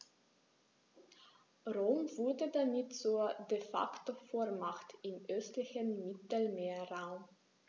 Rom wurde damit zur ‚De-Facto-Vormacht‘ im östlichen Mittelmeerraum.